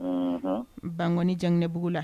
Bangi janinɛ bbugu la